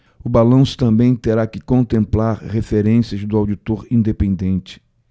o balanço também terá que contemplar referências do auditor independente